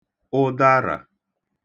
ụdarà